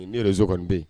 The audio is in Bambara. Ne yɛrɛsono kɔni bɛ